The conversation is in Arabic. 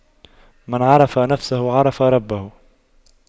من عرف نفسه عرف ربه